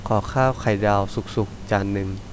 ขอข้าวไข่ดาวสุกๆจานนึง